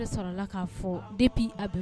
Sɔrɔ la k'a fɔ denpi a bɛ